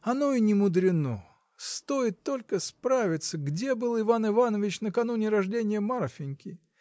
Оно и немудрено: стоит только справиться, где был Иван Иванович накануне рожденья Марфиньки.